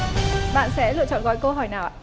bạn sẽ lựa chọn gói câu hỏi nào ạ